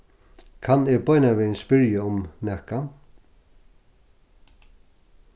kann eg beinanvegin spyrja um nakað